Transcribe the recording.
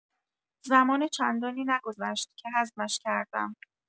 زمان چندانی نگذشت که هضمش کردم.